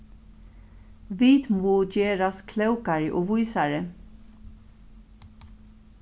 vit mugu gerast klókari og vísari